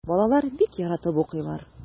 Балалар бик яратып укыйлар.